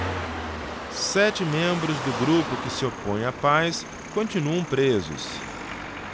sete membros do grupo que se opõe à paz continuam presos